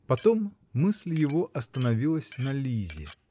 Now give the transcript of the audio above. Потом мысль его остановилась на Лизе.